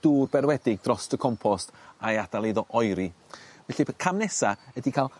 dŵr berwedig drost y compost a'i adal iddo oeri felly bydd cam nesa ydi ca'l